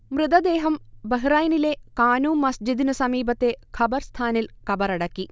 മൃതദേഹം ബഹ്റൈനിലെ കാനൂ മസ്ജിദിനു സമീപത്തെ ഖബർസ്ഥാനിൽ കബറടക്കി